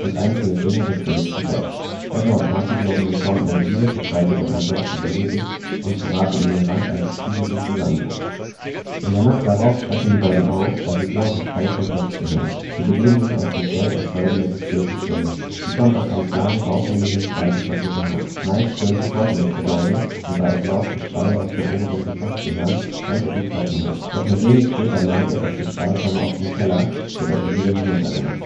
einzelne Finger des vermissten Josh. Heather und Mike glauben nun kaum mehr an ihr, geschweige denn an Joshs Überleben und geraten an den Rand eines psychischen Zusammenbruchs. In der Nacht darauf schrecken die beiden auf, da sie glauben, Joshs Schreie zu hören. Sie begeben sich aus dem Zelt und folgen der gequälten Stimme. Sie kommt aus einem kleinen, baufälligen, zweigeschossigen Haus. Mike stürmt sofort in das Gebäude, und da er glaubt, die Schreie aus dem oberen Geschoss zu hören, rennt er die Treppen hoch. Doch nur wenig später meint er, das Geschrei komme aus dem Keller, sodass er wieder hinunterrennt